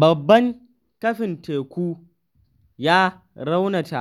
Babban kifin teku ya raunata